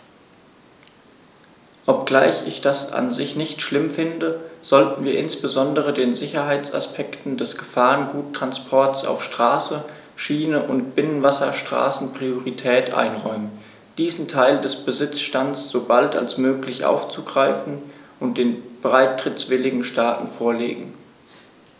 Obgleich ich das an sich nicht schlimm finde, sollten wir insbesondere den Sicherheitsaspekten des Gefahrguttransports auf Straße, Schiene und Binnenwasserstraßen Priorität einräumen, diesen Teil des Besitzstands so bald als möglich aufgreifen und den beitrittswilligen Staaten vorlegen.